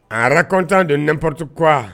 En racontant de import quoi